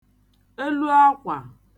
elu akwà